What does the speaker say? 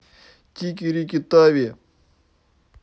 тики рики тави